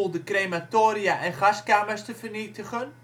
de crematoria en gaskamers te vernietigen